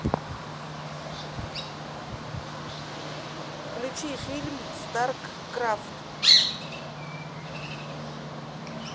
включи фильм старкрафт